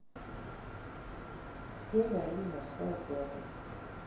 день военно морского флота